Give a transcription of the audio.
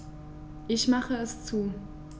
Ich mache es zu.